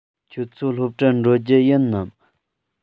ཁྱོད ཚོ སློབ གྲྭར འགྲོ རྒྱུ ཡིན ནམ